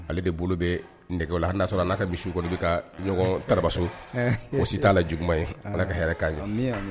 Ale de bolo bɛ nɛgɛla ha n'a sɔrɔ n'a ka misi kɔnɔ bɛ ka ɲɔgɔn tabaso o si t'a la juguba ye a ka hɛrɛɛ'a ye